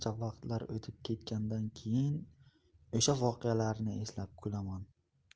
ketgandan keyin o'sha voqealarni eslab kulaman